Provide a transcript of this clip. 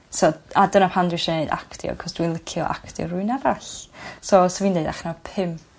So... A dyna pam dwi isio neu' actio achos dwi'n licio actio rywun arall so sa'n i'n deud allan o pump